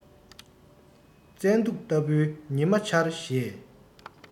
བཙན དུག ལྟ བུའི ཉི མ འཆར ཞེས